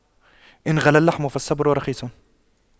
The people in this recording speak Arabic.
إن غلا اللحم فالصبر رخيص